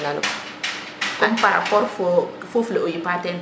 comme parapport fo foof le o yipa teen